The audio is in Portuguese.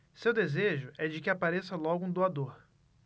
seu desejo é de que apareça logo um doador